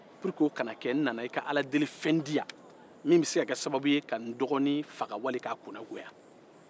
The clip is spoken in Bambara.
n nana i ka aladelifɛn di n ma min bɛ se ka n dɔgɔnin faga walima k'a kunnagoya